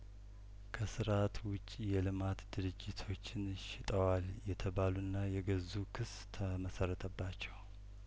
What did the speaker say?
ከስርአት ውጪ የልማት ድርጅቶችን ሸጠዋል የተባሉና የገዙ ክስ ተመሰረተባቸው